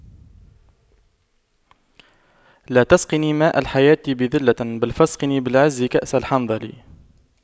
لا تسقني ماء الحياة بذلة بل فاسقني بالعز كأس الحنظل